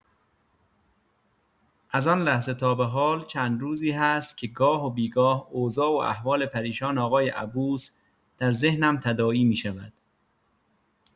از آن لحظه تا به حال چند روزی هست که گاه و بی‌گاه اوضاع و احوال پریشان آقای عبوس در ذهنم تداعی می‌شود.